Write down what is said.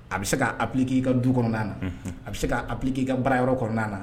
A bɛ se k'a k'i ka du kɔnɔna na a bɛ se k'a k'i ka bara yɔrɔ kɔnɔnaan na